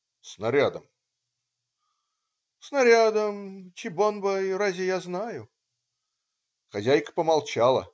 "- "Снарядом?" "Снарядом чи бонбой, рази я знаю. - Хозяйка помолчала.